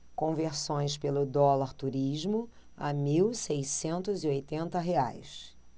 conversões pelo dólar turismo a mil seiscentos e oitenta reais